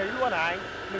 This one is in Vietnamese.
lấy luôn hả anh